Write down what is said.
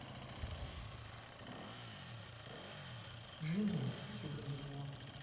жирный сел на дерьмо